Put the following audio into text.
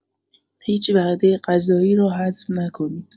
هیچ وعده غذایی را حذف نکنید.